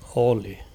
oli